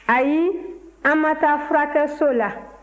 ayi an ma taa furakɛso la